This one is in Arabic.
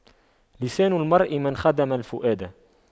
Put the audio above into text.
لسان المرء من خدم الفؤاد